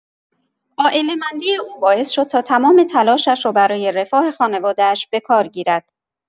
عائله‌مندی او باعث شد تا تمام تلاشش را برای رفاه خانواده‌اش به کار گیرد.